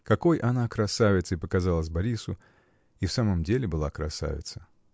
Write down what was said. Какой она красавицей показалась Борису, и в самом деле была красавица.